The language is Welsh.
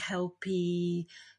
helpu